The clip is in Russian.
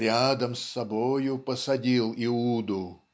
рядом с собою посадил Иуду"